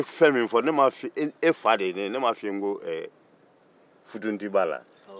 e fa de ye ne ne m'a fɔ e ye ko futunti b'a la